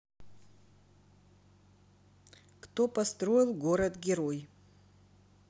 кто построил город герой